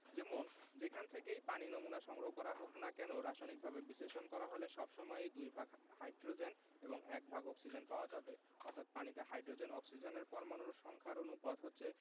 যেমন যেখান থেকেই পানির নমুনা সংগ্রহ করা হোক না কেন রাসায়নিকভাবে বিশ্লেষণ করা হলে সব সময় দুই ভাগ হাইড্রোজেন এবং এক ভাগ অক্সিজেন পাওয়া যাবে অর্থাৎ পানিতে হাইড্রোজেন ও অক্সিজেনের পরমাণুর সংখ্যার অনুপাত হচ্ছে